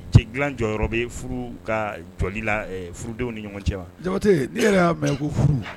Cɛ dilan jɔyɔrɔ yɔrɔ bɛ furu ka jɔli la furudenw ni ɲɔgɔn cɛ ma jate ne yɛrɛ y'a mɛn ko furu